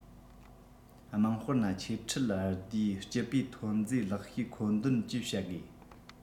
དམངས དཔེར ན ཁྱེར ཁྲལ བསྡུའི སྤྱི པའི ཐོན རྫས ལེགས ཤོས མཁོ འདོན ཅེས བཤད དགོས